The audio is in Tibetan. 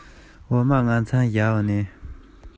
དངོས པོ ཞིག མཐོང ཚེ